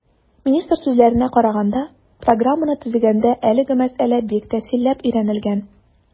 Министр сүзләренә караганда, программаны төзегәндә әлеге мәсьәлә бик тәфсилләп өйрәнелгән.